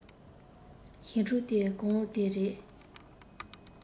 ཞི ཕྲུག དེ གང དེ རེད